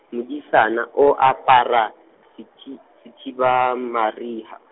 modisana o apara , sethi- , mariha.